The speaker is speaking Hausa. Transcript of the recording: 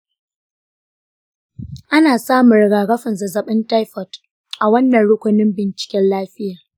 ana samun rigakafin zazzabin taifot a wannan rukunin binciken lafiya